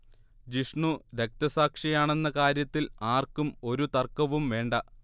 ജിഷ്ണു രക്തസാക്ഷിയാണെന്ന കാര്യത്തിൽ ആർക്കും ഒരു തർക്കവും വേണ്ട